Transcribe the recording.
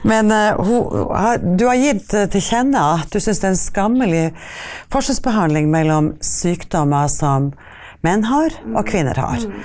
men hun har du har gitt til kjenne at du syns det er en skammelig forskjellsbehandling mellom sykdommer som menn har og kvinner har.